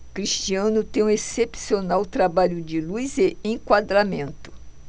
cristiano tem um excepcional trabalho de luz e enquadramento